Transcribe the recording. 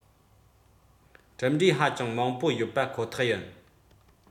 གྲུབ འབྲས ཧ ཅང མང པོ ཡོད པ ཁོ ཐག ཡིན